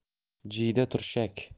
jiyda turshak